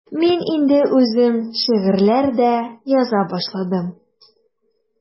Мин инде үзем шигырьләр дә яза башладым.